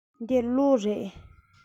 འདི གློག རེད